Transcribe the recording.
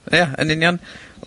Ia, yn union.